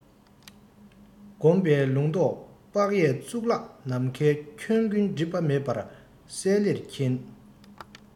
བསྒོམ པས ལུང རྟོགས དཔག ཡས གཙུག ལག ནམ མཁའི ཁྱོན ཀུན སྒྲིབ པ མེད པར གསལ ལེར མཁྱེན